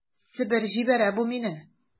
Себер җибәрә бу мине...